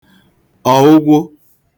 ọ̀ụgwụ